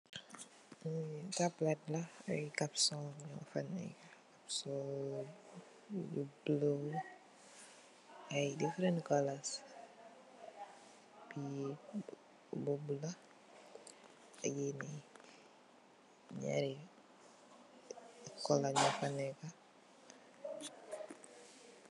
Li tablet la moi capsule la garap nyufa neka. So yu blue ay different colours nyufa neka.